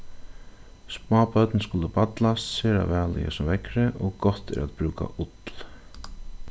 smábørn skulu ballast sera væl í hesum veðri og gott er at brúka ull